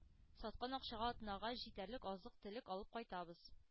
Саткан акчага атнага җитәрлек азык-төлек алып кайтабыз.